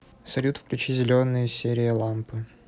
салют включи зеленые серия лампы